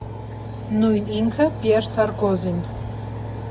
Նույն ինքը՝ Պյեռ Սարկոզին։